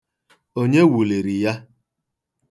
Onye wuliri ya?